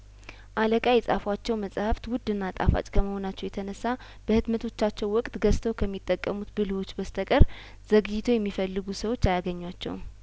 አለቃ የጻፏቸው መጽሀፍት ውድና ጣፋጭ ከመሆናቸው የተነሳ በህትመቶቻቸው ወቅት ገዝተው ከሚጠቀሙት ብልህዎች በስተቀር ዘግይተው የሚፈልጉ ሰዎች አያገኟቸውም